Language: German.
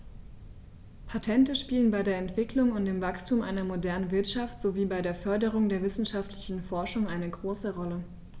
Patente spielen bei der Entwicklung und dem Wachstum einer modernen Wirtschaft sowie bei der Förderung der wissenschaftlichen Forschung eine große Rolle.